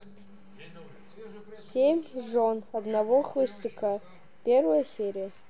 семь жен одного холостяка первая серия